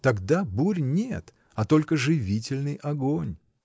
Тогда бурь нет, а только живительный огонь.